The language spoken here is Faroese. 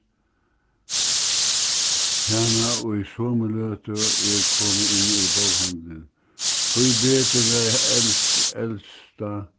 hana í somu løtu eg komi inn í bókhandilin tíbetur var elsta